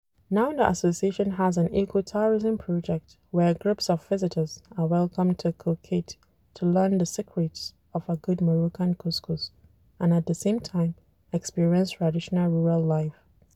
Now the association has an eco-tourism project where groups of visitors are welcomed to Khoukhate to learn the secrets of a good Moroccan couscous, and at the same time experience traditional rural life.